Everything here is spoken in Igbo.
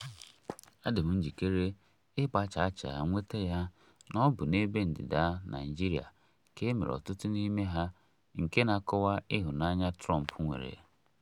Adị m njikere ịgba chaa chaa nweta ya na ọ bụ n'ebe ndịda Naịjirịa ka e mere ọtụtụ n'ime ha, nke na-akọwa ịhụnanya Trump nwere.